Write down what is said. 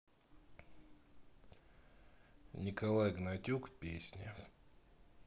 николай гнатюк песни